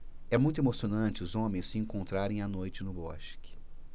é muito emocionante os homens se encontrarem à noite no bosque